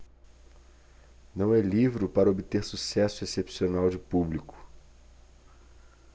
não é livro para obter sucesso excepcional de público